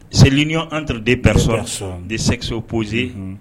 Seliɲɔgɔn anrriden pres sɔrɔ de sɛgɛgso pozsee